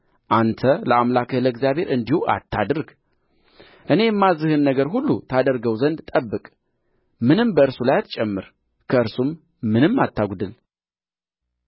አንተ ለአምላክህ ለእግዚአብሔር እንዲሁ አታድርግ እኔ የማዝዝህን ነገር ሁሉ ታደርገው ዘንድ ጠብቅ ምንም በእርሱ ላይ አትጨምር ከእርሱም ምንም አታጕድል